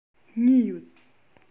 གཉིས ཡོད